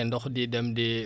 mbala si teen yi